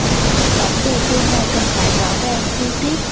bản đề cương này cần phải rõ ràng chi tiết